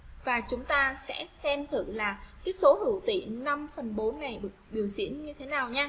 chúng ta sẽ xem thử là số hữu tỉ ngày được biểu diễn như thế nào